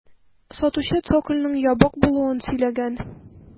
Сатучы цокольның ябык булуын сөйләгән.